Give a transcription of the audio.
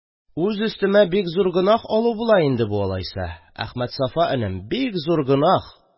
Үз өстемә бик зур гөнаһ алу була инде бу, алайса, Әхмәтсафа энем, бик зур гөнаһ!